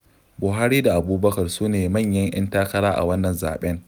Buhari da Abubakar su ne manyan 'yan takara a wannan zaɓen.